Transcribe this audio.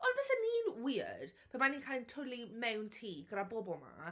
Ond fysen ni'n weird, pe bai ni'n cael ein twlu mewn tŷ gyda bobl 'ma.